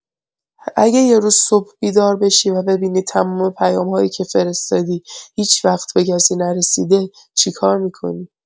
اگه یه روز صبح بیدار بشی و ببینی تمام پیام‌هایی که فرستادی، هیچ‌وقت به کسی نرسیده، چی کار می‌کنی؟